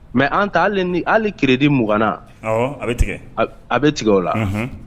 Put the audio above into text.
Mɛ an ta ni hali kiredi mugangana a a bɛ tigɛ o la